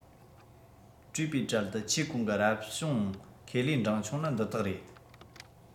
བཀྲུས པའི གྲལ དུ ཆེས གོང གི རང བྱུང ཁེ ལས འབྲིང ཆུང ནི འདི དག རེད